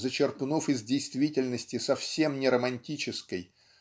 зачерпнув из действительности совсем не романтической